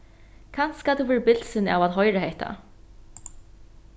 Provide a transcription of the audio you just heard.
kanska tú verður bilsin av at hoyra hetta